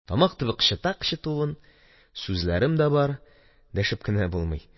Тамак төбе кычыта-кычытуын, сүзләрем дә бар, дәшеп кенә булмый.